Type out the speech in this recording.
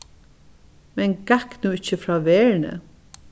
men gakk nú ikki frá verðini